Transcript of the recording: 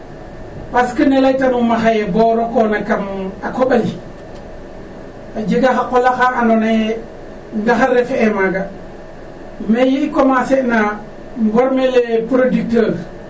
Parce que ne laytanuma xaye bo rokoona kama koƥale a jega xa qol axa andoona ye ndaxar refee maaga mais ye i commencer na mborme les les producteur,